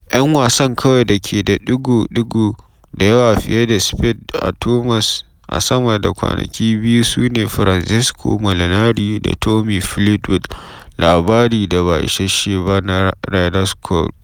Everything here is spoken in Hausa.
‘Yan wasan kawai da ke da ɗigo-ɗigo da yawa fiye da Spieth da Thomas a sama da kwanaki biyu su ne Francesco Molinari da Tommy Fleetwood, labari da ba isasshe ba na Ryder Kulob.